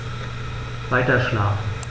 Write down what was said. Weiterschlafen.